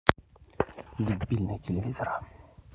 дебильный телевизор